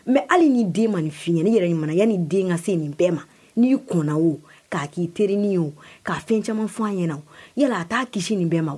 Mɛ hali ni den ma nin fiɲɛnani yɛrɛ ɲumanmanaya ni den ka se nin bɛɛ ma nii kɔnɔ o k'a k'i teriini ye o ka fɛn caman fɔ an ɲɛna yala a'a kisi nin bɛɛ ma